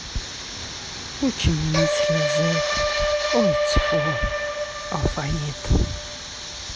учим немецкий язык ой тьфу алфавит